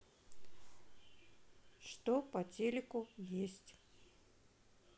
что по телеку есть